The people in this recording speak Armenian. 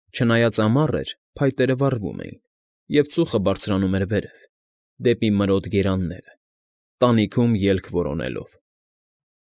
Չնայած ամառ էր, փայտերը վառվում էին, և ծուխը բարձրանում էր վերև, դեպի մրոտ գերանները, տանիքում ելք որոնելով։